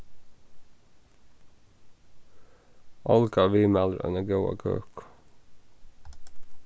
olga viðmælir eina góða køku